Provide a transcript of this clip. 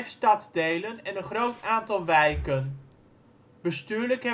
stadsdelen en een groot aantal wijken. Bestuurlijk